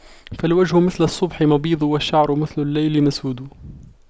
فالوجه مثل الصبح مبيض والشعر مثل الليل مسود